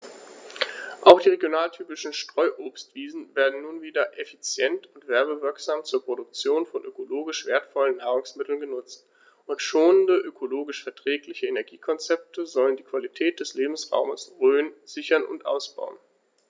Auch die regionaltypischen Streuobstwiesen werden nun wieder effizient und werbewirksam zur Produktion von ökologisch wertvollen Nahrungsmitteln genutzt, und schonende, ökologisch verträgliche Energiekonzepte sollen die Qualität des Lebensraumes Rhön sichern und ausbauen.